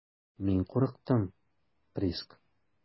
Мин курыктым, Приск.